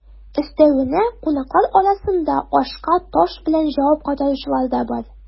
Өстәвенә, кунаклар арасында ашка таш белән җавап кайтаручылар да бар.